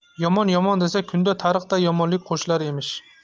yomon yomon desa kunda tariqday yomonlik qo'shilar emish